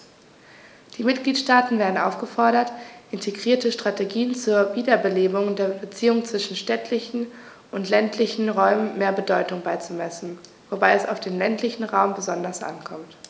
Die Mitgliedstaaten werden aufgefordert, integrierten Strategien zur Wiederbelebung der Beziehungen zwischen städtischen und ländlichen Räumen mehr Bedeutung beizumessen, wobei es auf den ländlichen Raum besonders ankommt.